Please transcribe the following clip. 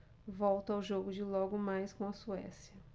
volto ao jogo de logo mais com a suécia